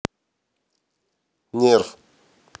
нерв